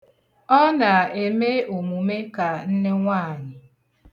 Ọ na-eme omume ka nnenwaànyị̀.